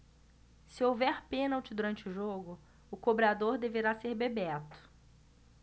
se houver pênalti durante o jogo o cobrador deverá ser bebeto